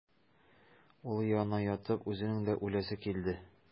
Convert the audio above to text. Улы янына ятып үзенең дә үләсе килде.